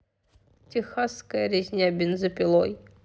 техасская резня бензопилой фильм